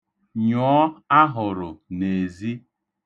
Nyụọ ahụrụ n'ezi.